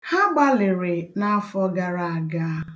Ha gbalịrị n'afọ gara aga.